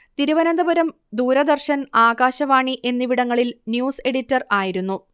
തിരുവനന്തപുരം ദൂരദർശൻ ആകാശവാണി എന്നിവിടങ്ങളിൽ news editor ആയിരുന്നു